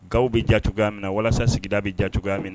Gawo bɛ diya cogoya min na ,walasa sigida bɛ diya cogoyaya min na.